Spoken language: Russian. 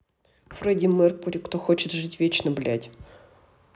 freddie mercury кто хочет жить вечно блять